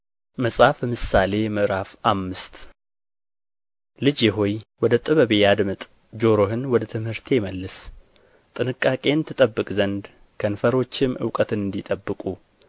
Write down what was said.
መጽሐፈ ምሳሌ ምዕራፍ አምስት ልጄ ሆይ ወደ ጥበቤ አድምጥ ጆሮህን ወደ ትምህርቴ መልስ ጥንቃቄን ትጠብቅ ዘንድ ከንፈሮችህም እውቀትን እንዲጠብቁ